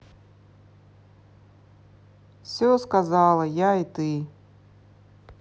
все сказала я и ты